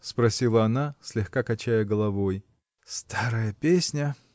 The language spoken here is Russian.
– спросила она, слегка качая головой. – Старая песня!